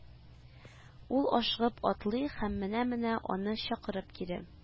Ул ашыгып атлый һәм менә-менә аны чакырып кире